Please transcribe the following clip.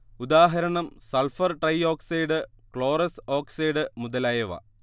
ഉദാഹരണം sulphur trioxide chlorous oxide മുതലായവ